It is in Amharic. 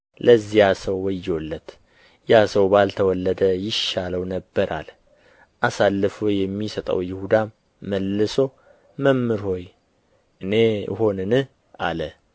ለዚያ ሰው ወዮለት ያ ሰው ባልተወለደ ይሻለው ነበር አለ አሳልፎ የሚሰጠው ይሁዳም መልሶ መምህር ሆይ እኔ እሆንን አለ